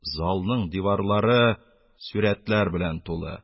Залның диварлары сурәтләр белән тулы...